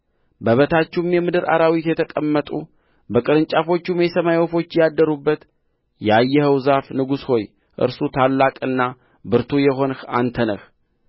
በበታቹም የምድር አራዊት የተቀመጡ በቅርንጫፎቹም የሰማይ ወፎች ያደሩበት ያየኸው ዛፍ ንጉሥ ሆይ እርሱ ታላቅና ብርቱ የሆንህ አንተ ነህ